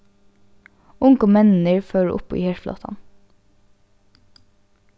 ungu menninir fóru upp í herflotan